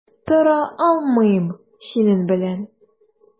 Тора алмыйм синең белән.